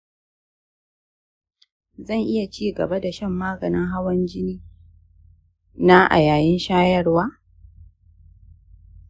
zan iya ci gaba da shan maganin hawan jini na a yayin shayarwa?